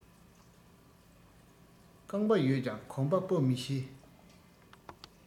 རྐང པ ཡོད ཀྱང གོམ པ སྤོ ནི ཤེས